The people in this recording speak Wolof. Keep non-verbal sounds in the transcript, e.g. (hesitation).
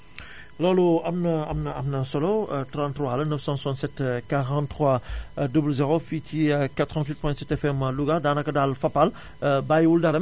(blows air) loolu am na am na am na solo (hesitation) 33 la 967 (hesitation) 43 (inhales) 00 fii ci (hesitation) 88.7 FM Louga daanaka daal Fapal (hesitation) bàyyiwul dara